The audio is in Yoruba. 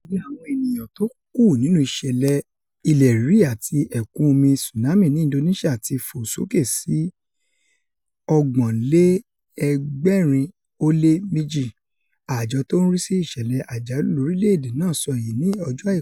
Iye àwọn ènìyàn tó kú nínú ìṣẹ̀lẹ̀ ilẹ̀ rírì àti ẹ̀kún omi tsunami ní Indonesia ti fò sóke sí 832, àjọ tó ń rísí ìṣẹ̀lẹ̀ àjálù lórílẹ̀-èdè náà sọ èyí ní ọjọ́ Àìkú.